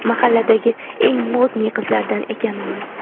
mahalladagi eng modniy qizlardan ekanini